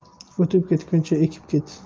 o'tib ketguncha ekib ket